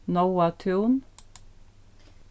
nóatún